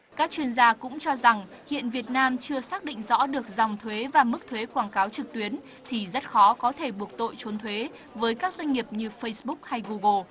các chuyên gia cũng cho rằng hiện việt nam chưa xác định rõ được dòng thuế và mức thuế quảng cáo trực tuyến thì rất khó có thể buộc tội trốn thuế với các doanh nghiệp như phây búc hay gu gồ